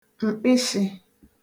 m̀kpịshị̄